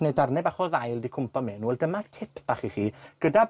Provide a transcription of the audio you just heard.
ne' darne bach o ddail 'di cwmpo mewn, wel dyma tip bach i chi, gyda